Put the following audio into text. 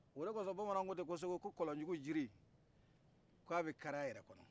o de kosɔn bamanan kote ko segu ko kɔlɔnjugu jiri k'a bɛ kari a yɛrɛ kɔnɔ